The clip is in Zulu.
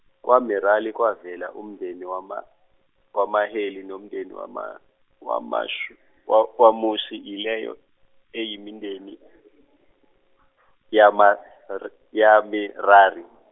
kwaMerari kwavela umndeni wama- wamaMaheli, nomndeni wama- wamaSh- wa- wamoMushi yileyo eyimindeni , yamaMar- yaMerari.